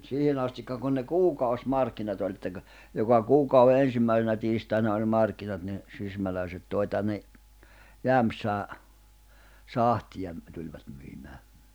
siihen asti kun ne kuukausimarkkinat oli että kun joka kuukauden ensimmäisenä tiistaina oli ne markkinat niin sysmäläiset toi tänne Jämsään sahtia - tulivat myymään